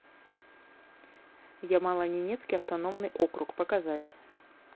ямалоненецкий автономный округ показать